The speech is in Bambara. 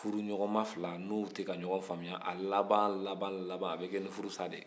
furuɲɔgɔnma fila n'u tɛ ka ɲɔgɔn famuya a laban laban laban a bɛ kɛ ni furusa de ye